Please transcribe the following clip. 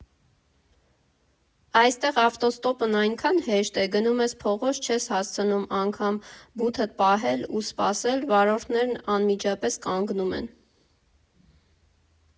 Այստեղ ավտոստոպն այնքան հեշտ է, գնում ես փողոց, չես հասցնում անգամ բութդ պահել ու սպասել, վարորդներն անմիջապես կանգնում են։